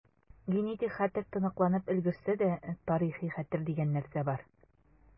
Генетик хәтер тоныкланып өлгерсә дә, тарихи хәтер дигән нәрсә бар.